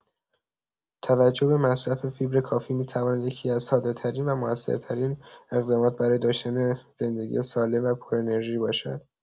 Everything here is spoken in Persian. توجه به مصرف فیبر کافی می‌تواند یکی‌از ساده‌‌ترین و مؤثرترین اقدامات برای داشتن زندگی سالم و پرانرژی باشد.